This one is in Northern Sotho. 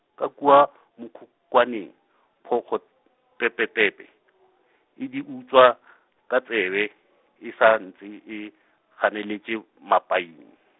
ka kua mokhukhwaneng, phokgo tepetepe, e di utswa ka tsebe, e sa ntše e, ganeletše mapaing.